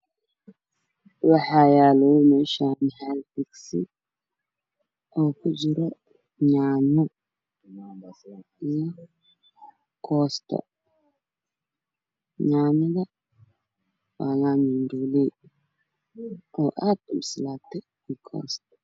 Waxaa yaalo meeshaan hal dugsi oo ku jiro yaanyo, koosta iyo jaanyo mirooley